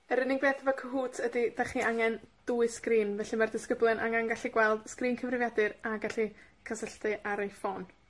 Yr unig beth efo Cahoot ydi 'dach chi angen dwy sgrin. Felly, mae'r disgyblion angen gallu gweld sgrin cyfrifiadur a gallu cysylltu ar eu ffôn.